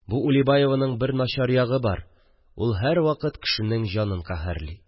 Бу Улибаеваның бер начар ягы бар: ул һәрвакыт кешенең җанын каһәрли